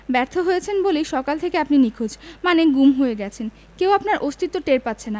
ব্যর্থ হয়েছেন বলেই সকাল থেকে আপনি নিখোঁজ মানে গুম হয়ে গেছেন কেউ আপনার অস্তিত্ব টের পাচ্ছে না